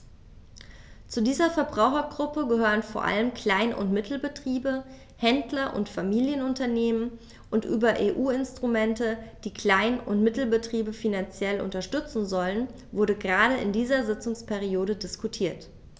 Zu dieser Verbrauchergruppe gehören vor allem Klein- und Mittelbetriebe, Händler und Familienunternehmen, und über EU-Instrumente, die Klein- und Mittelbetriebe finanziell unterstützen sollen, wurde gerade in dieser Sitzungsperiode diskutiert.